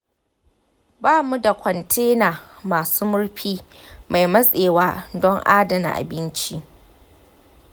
ba mu da kwantena masu murfi mai matsewa don adana abinci.